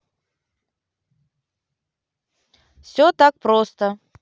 все так просто